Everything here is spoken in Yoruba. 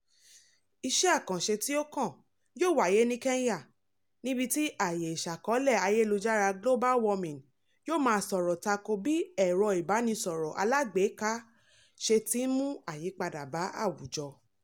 Iṣẹ́ àkànṣe tí ó kán yóò wáyé ní Kenya, níbi tí àyè ìṣàkọọ́lẹ̀ ayélujára Global Warming yóò máa sọ̀rọ̀ tako bí ẹ̀rọ ìbánisọ̀rọ̀ alágbèéká ṣe ti ń mú àyípadà bá àwùjọ.